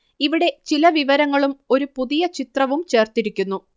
ഇവിടെ ചില വിവരങ്ങളും ഒരു പുതിയ ചിത്രവും ചേര്ത്തിരിക്കുന്നു